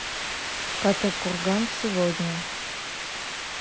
каттакурган сегодня